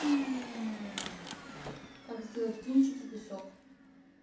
как сделать кинчики песок